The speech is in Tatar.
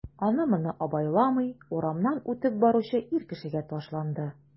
Аны-моны абайламый урамнан үтеп баручы ир кешегә ташланды...